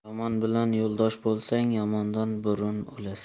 yomon bilan yo'ldosh bo'lsang yomondan burun o'lasan